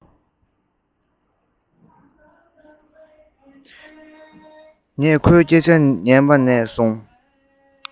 ངས ཁོའི སྐད ཆ འདི དག ཉན པ ནས